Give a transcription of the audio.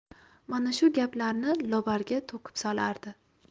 mana shu gaplarni lobarga to'kib solardi